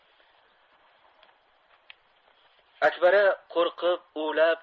akbara qo'rqib uvlab